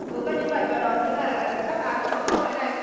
đúng là như vậy và đó chính là đáp án của câu hỏi này